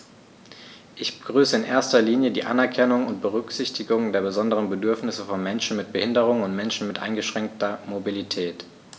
Ich begrüße in erster Linie die Anerkennung und Berücksichtigung der besonderen Bedürfnisse von Menschen mit Behinderung und Menschen mit eingeschränkter Mobilität.